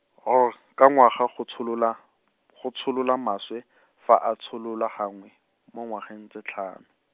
oh ka ngwaga go tshololwa, go tsholola maswe, fa a tsholola gangwe, mo ngwageng tse tlhano.